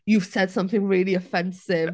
You've said something really offensive.